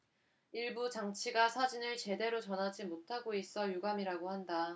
일부 장치가 사진을 제대로 전하지 못하고 있어 유감이라고 한다